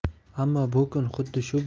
ammo bu kun xuddi shu